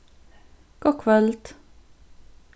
gott kvøld